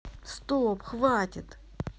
стоп хватит